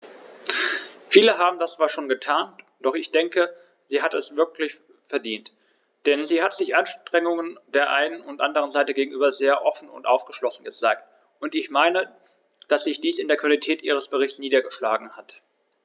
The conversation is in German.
Viele haben das zwar schon getan, doch ich denke, sie hat es wirklich verdient, denn sie hat sich Anregungen der einen und anderen Seite gegenüber sehr offen und aufgeschlossen gezeigt, und ich meine, dass sich dies in der Qualität ihres Berichts niedergeschlagen hat.